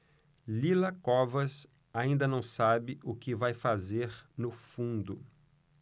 lila covas ainda não sabe o que vai fazer no fundo